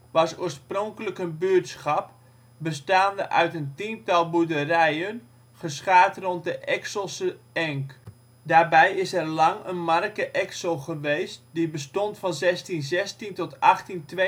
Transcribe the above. was oorspronkelijk een buurtschap, bestaande uit een tiental boerderijen geschaard rond de Ekselse Enk. Daarbij is er lang een marke Exel (soort gemeente) geweest, die bestond van 1616 tot 1852